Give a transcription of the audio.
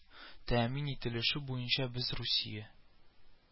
Тәэмин ителешү буенча без русия